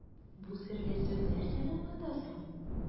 Бу серле сүз нәрсәне аңлата соң?